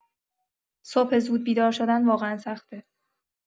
صبح زود بیدار شدن واقعا سخته